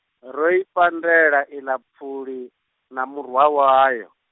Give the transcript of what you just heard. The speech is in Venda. fhandela iḽa phuli, wa wayo.